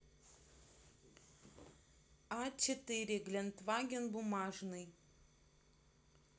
а четыре гелендваген бумажный